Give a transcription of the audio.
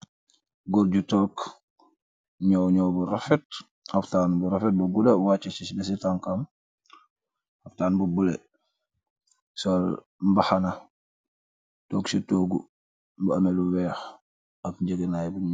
Goor ju took naw naw bu refet xaftaan bu rafet bu guda wacc ci beh si tankam xaftaan bu bulo sol mbaxana toog ci toogu bu amelu weex ak ngehgenaay nuul.